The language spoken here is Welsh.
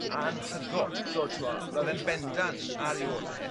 Anhygol. So t'mo' ma' fe'n bendant a'r 'i ore'